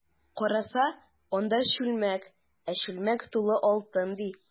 Караса, анда— чүлмәк, ә чүлмәк тулы алтын, ди.